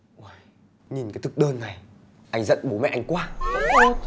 uầy nhìn cái thực đơn này anh giận bố mẹ anh quá